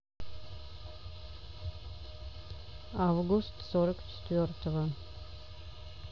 август сорок четвертого